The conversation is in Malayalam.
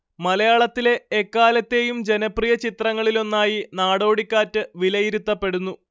മലയാളത്തിലെ എക്കാലത്തെയും ജനപ്രിയ ചിത്രങ്ങളിലൊന്നായി നടോടിക്കാറ്റ് വിലയിരുത്തപ്പെടുന്നു